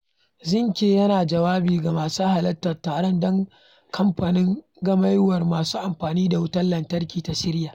Zinke yana jawabi ga masu halartar taron da kamfanin Gamaiyyar masu Amfani da wutar Lantarki ta shirya, wani rukuni wanda bana riba ba ne wanda yayi kama da "muryar masu amfani da makamashi" a Amurka.